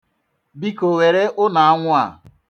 Biko, were ụlọanwụ̄ a.